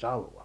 salaa